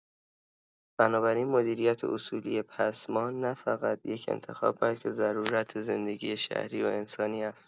بنابراین مدیریت اصولی پسماند نه‌فقط یک انتخاب، بلکه ضرورت زندگی شهری و انسانی است.